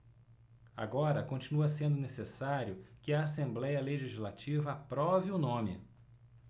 agora continua sendo necessário que a assembléia legislativa aprove o nome